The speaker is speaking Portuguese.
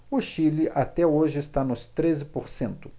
o chile até hoje está nos treze por cento